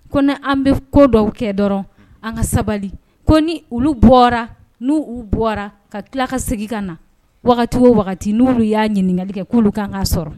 Ko an bɛ ko dɔw kɛ dɔrɔn an ka sabali ko ni olu bɔra n' u bɔra ka tila ka segin ka na wagati o wagati n'uolu y'a ɲininkakali kɛ k'olu kan an kaa sɔrɔ